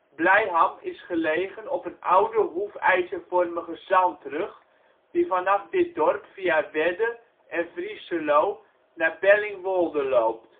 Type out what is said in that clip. Blijham is gelegen op een oude hoefijzervormige zandrug die vanaf dit dorp via Wedde, en Vriescheloo naar Bellingwolde loopt